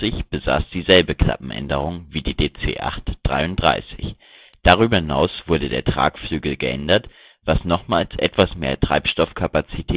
besaß dieselbe Klappenänderung wie die DC-8-33. Darüber hinaus wurde der Tragflügel geändert, was nochmals etwas mehr Treibstoffkapazität